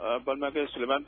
Aa bangekɛ silamɛ